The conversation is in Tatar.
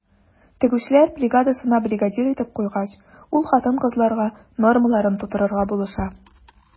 Тегүчеләр бригадасына бригадир итеп куйгач, ул хатын-кызларга нормаларын тутырырга булыша.